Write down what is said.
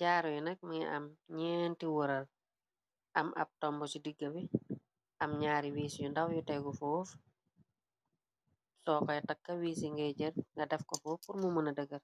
Jaaru yu neg minga am ñeenti wëral am ab tomb ci digga bi am ñaari wiis yu ndaw yu tegu foof soo koy takka wiis yi ngay jër nga def ko foof purmu mëna dëgar.